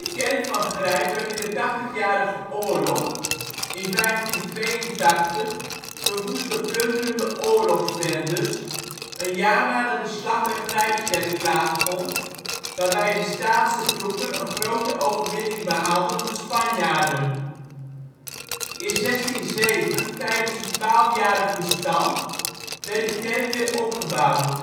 kerk van Grijp werd in de tachtigjarige oorlog, in 1582, verwoest door plunderende oorlogsbendes, een jaar nadat de Slag bij Grijpskerk plaatsvond, waarbij de staatse troepen een grote overwinning behaalden op de Spanjaarden. In 1607, tijdens het Twaalfjarig Bestand werd de kerk weer opgebouwd